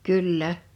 kyllä